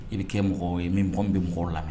I bi ni kɛ mɔgɔ ye min kɔni bi mɔgɔw lamɛn